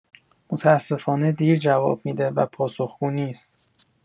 متاسفانه دیر جواب می‌ده و پاسخگو نیست.